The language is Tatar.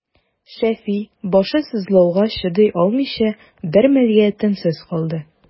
Шәфи, башы сызлауга чыдый алмыйча, бер мәлгә тынсыз калды.